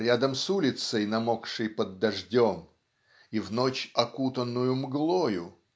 "рядом с улицей, намокшей под дождем" и в ночь, "окутанную мглою".